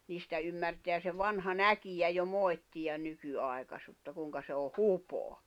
niistä ymmärtää se vanha näkijä jo moittia nykyaikaisuutta kuinka se on hupaa